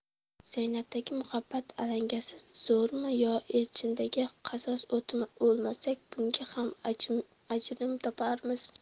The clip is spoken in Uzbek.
zaynabdagi muhabbat alangasi zo'rmi yo elchindagi qasos o'timi o'lmasak bunga ham ajrim toparmiz